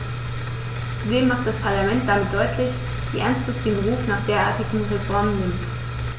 Zudem macht das Parlament damit deutlich, wie ernst es den Ruf nach derartigen Reformen nimmt.